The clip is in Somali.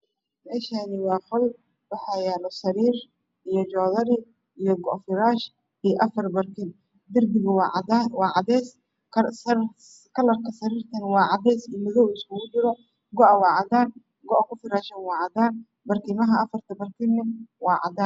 Meeshaani waa qol waxaa yaale sariir iyo jaawari iyo go firaash afar barkin darbiga waa cadays kalarka sariirtana waa cadays iyo madow isgu jiro ko a waa cadaan ku fidsan waa cadaan barkimaha afarta barkin waa cadaan